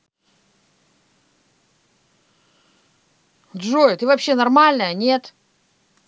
джой ты вообще нормальная нет